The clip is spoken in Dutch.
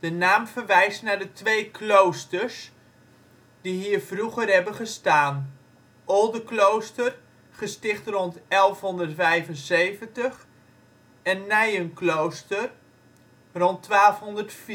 naam verwijst naar de twee kloosters die hier vroeger hebben gestaan, Oldeklooster (gesticht rond 1175) en Nijenklooster (1204